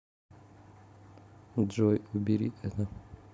джой убери это